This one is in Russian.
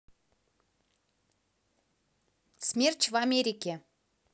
смерч в америке